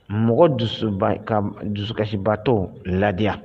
Mɔgɔ dusu dusukasibato ladiya